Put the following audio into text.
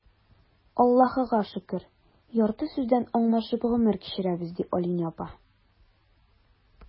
Аллаһыга шөкер, ярты сүздән аңлашып гомер кичерәбез,— ди Алинә апа.